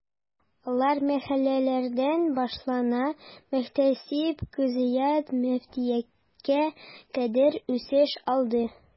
Алар мәхәлләләрдән башлана, мөхтәсиб, казыят, мөфтияткә кадәр үсеш алды.